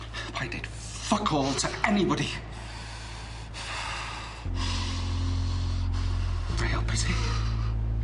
Paid deud ffyc all to anybody. 'Nai helpu ti.